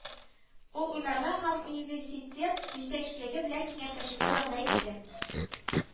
Ул уйларга һәм университет җитәкчелеге белән киңәшләшергә вәгъдә итте